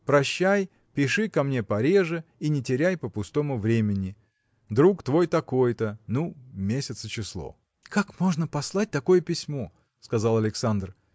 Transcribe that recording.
Прощай, пиши ко мне пореже и не теряй по-пустому времени. Друг твой такой-то. Ну, месяц и число. – Как можно послать такое письмо? – сказал Александр